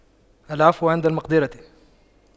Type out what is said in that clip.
العفو عند المقدرة